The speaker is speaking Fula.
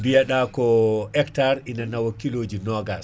biyeɗa ko hectare ina nawa kiloji nogass